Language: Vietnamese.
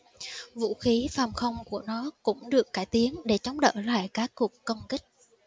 vũ khí phòng không của nó cũng được cải tiến để chống đỡ lại các cuộc không kích